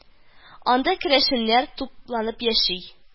Анда керәшеннәр тупланып яши